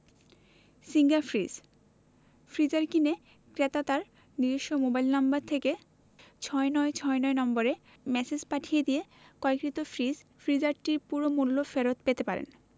singer fridge freezer কিনে ক্রেতা তার নিজস্ব মোবাইল নম্বর থেকে ৬৯৬৯ নম্বরে ম্যাসেজ পাঠিয়ে দিয়ে ক্রয়কৃত ফ্রিজ/ফ্রিজারটির পুরো মূল্য ফেরত পেতে পারেন